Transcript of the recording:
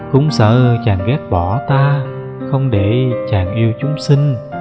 cũng sợ chàng ghét bỏ ta không để chàng yêu chúng sinh